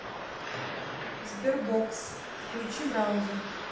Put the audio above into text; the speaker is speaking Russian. sberbox включи браузер